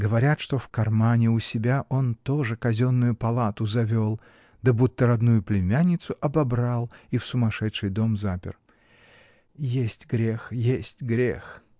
Говорят, что в кармане у себя он тоже казенную палату завел, да будто родную племянницу обобрал и в сумасшедший дом запер. Есть грех, есть грех.